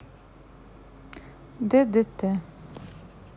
ддт